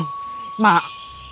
ơ mà